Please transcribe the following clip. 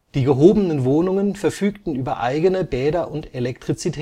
gehobenen Wohnungen verfügten über eigene Bäder und Elektrizität